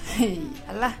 Ee ala